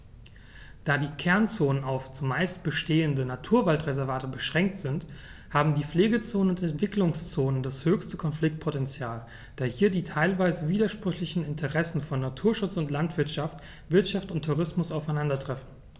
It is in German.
Da die Kernzonen auf – zumeist bestehende – Naturwaldreservate beschränkt sind, haben die Pflegezonen und Entwicklungszonen das höchste Konfliktpotential, da hier die teilweise widersprüchlichen Interessen von Naturschutz und Landwirtschaft, Wirtschaft und Tourismus aufeinandertreffen.